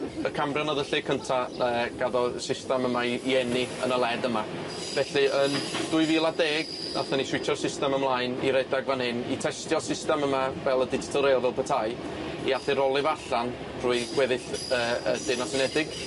Y Cambrian oedd y lle cynta yy gaddo system yma 'i 'i eni yn y wled yma felly yn dwy fil a deg nathon ni switsio'r system ymlaen i redag fan 'yn i testio'r system yma fel y digital rail fel petai i allu rolio fo allan drwy gweddill yy y Deyrnas Unedig.